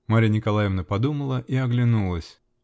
Марья Николаевна подумала -- и оглянулась.